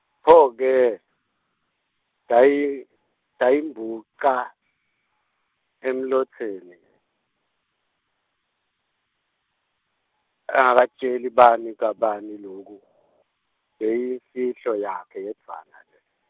Pho-ke, tayi- tayimbuca, emlotseni , abengatjela bani wakabani loku , bekuyimfihlo yakhe yedvwana le.